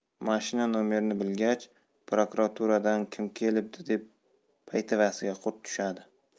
mashina nomerini bilgach prokuraturadan kim kelibdi deb paytavasiga qurt tushadi